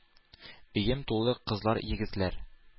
Өем тулы кызлар, егетләр,